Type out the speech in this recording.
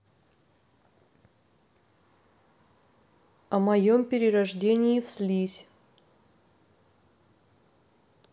о моем перерождении в слизь